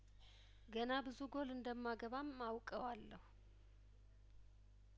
ገና ብዙ ጐል እንደማገባም አውቀዋለሁ